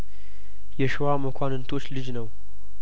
የሸዋ መኳንንቶች ልጅ ነው